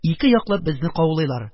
Ике яклап безне каулыйлар...